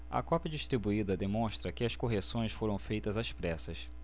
a cópia distribuída demonstra que as correções foram feitas às pressas